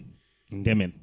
ndeemen